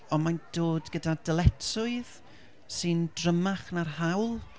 Ond mae'n dod gyda dyletswydd sy'n drymach na'r hawl.